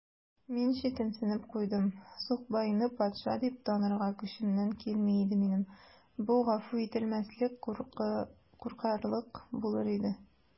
Мин читенсенеп куйдым: сукбайны патша дип танырга көчемнән килми иде минем: бу гафу ителмәслек куркаклык булыр иде.